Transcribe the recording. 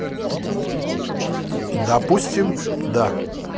допустим да